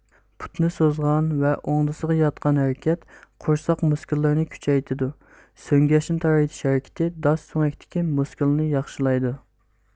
پۇتنى سوزغان ۋە ئوڭدىسىغا ياتقان ھەرىكەت قورساق مۇسكۇللىرىنى كۈچەيتىدۇ سۆڭگەچنى تارايتىش ھەرىكىتى داس سۆڭەكتىكى مۇسكۇلنى ياخشىلايدۇ